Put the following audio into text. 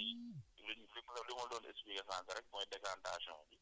dañuy jël léeg-léeg dañuy li li ma la li ma la doon expliqué sànq rek mooy décantation c'